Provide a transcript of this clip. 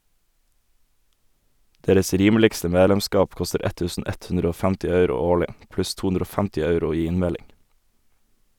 Deres rimeligste medlemskap koster 1150 euro årlig pluss 250 euro i innmelding.